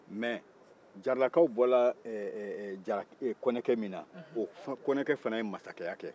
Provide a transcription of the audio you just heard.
mɛ jaaralakaw bɔra ee jara ee kɔnɛkɛ min na o konɛkɛ fana ye masakɛya kɛ